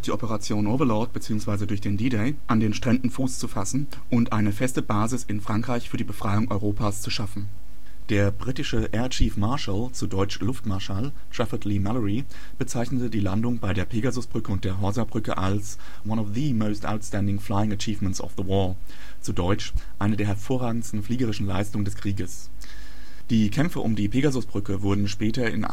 Operation Overlord bzw. durch den D-Day, an den Stränden Fuß zu fassen und eine feste Basis in Frankreich für die Befreiung Europas zu schaffen. Der britische Air Chief Marschall (Luftmarschall) Trafford Leigh-Mallory bezeichnete die Landung bei der Pegasusbrücke und der Horsabrücke als " one of the most outstanding flying achievements of the war. " (deutsch: " eine der hervorragendsten fliegerischen Leistungen des Krieges. "). Die Kämpfe um die Pegasusbrücke wurden später in